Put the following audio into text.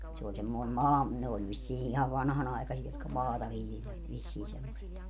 se oli semmoinen - ne oli vissiin ihan vanhanaikaisia jotka maata viljelivät vissiin semmoiset